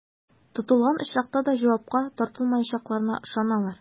Тотылган очракта да җавапка тартылмаячакларына ышаналар.